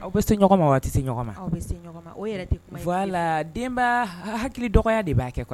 A tɛ se ma tɛ se ma se la denba hakili dɔgɔ de b'a kɛ kɔrɔ